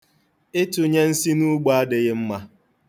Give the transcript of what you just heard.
Ịtụnye nsị n'ugbo adịghị mma.